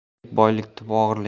boylik boylik tubi o'g'irlik